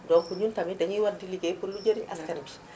donc ñun tamit dañuy war di liggéey pour lu jariñ askan bi